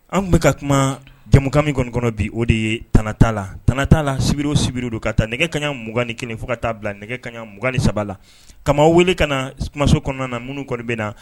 An bɛka ka kuma jamukanmi kɔnɔn kɔnɔ bi o de ye tanta la tanta la sibiru sibiri don ka taa nɛgɛ kaɲa muganani kelen fo ka taa bila nɛgɛ kaɲa muganani saba kama wele ka na masa kɔnɔna na minnu kɔni bɛna na